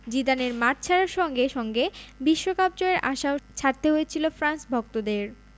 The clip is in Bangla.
জিদানের মাঠ ছাড়ার সঙ্গে সঙ্গে বিশ্বকাপ জয়ের আশাও ছাড়তে হয়েছিল ফ্রান্স ভক্তদের